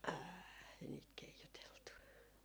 ei niitä keijuteltu